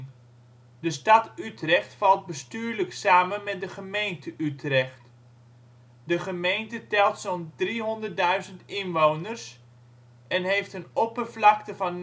stad Utrecht valt bestuurlijk samen met de gemeente Utrecht. De gemeente telt zo 'n 300.000 inwoners en heeft een oppervlakte van